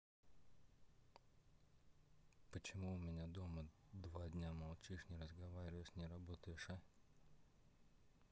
почему у меня дома два дня молчишь не разговариваешь не работаешь а